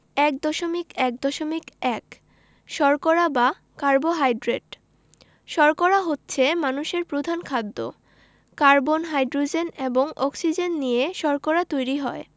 ১.১.১ শর্করা বা কার্বোহাইড্রেট শর্করা হচ্ছে মানুষের প্রধান খাদ্য কার্বন হাইড্রোজেন এবং অক্সিজেন নিয়ে শর্করা তৈরি হয়